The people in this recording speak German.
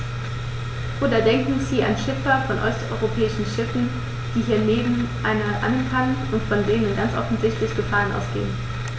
Oder denken Sie an Schiffer von osteuropäischen Schiffen, die hier neben anderen ankern und von denen ganz offensichtlich Gefahren ausgehen.